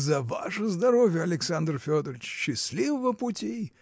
– За ваше здоровье, Александр Федорыч! счастливого пути!